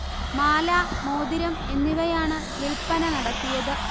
മാല മോതിരം എന്നിവയാണ് വില്പ്പന നടത്തിയത്